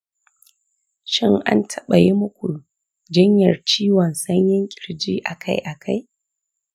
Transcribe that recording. shin an taɓa yi muku jiyyar ciwon sanyin ƙirji akai-akai sanda kuke yara?